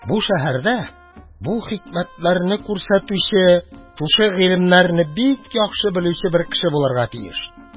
Бу шәһәрдә бу хикмәтләрне күрсәтүче, шушы гыйлемнәрне бик яхшы белүче бер кеше булырга тиеш.